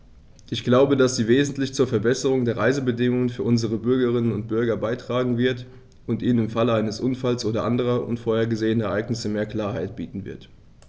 Ich glaube, dass sie wesentlich zur Verbesserung der Reisebedingungen für unsere Bürgerinnen und Bürger beitragen wird, und ihnen im Falle eines Unfalls oder anderer unvorhergesehener Ereignisse mehr rechtliche Klarheit bieten wird.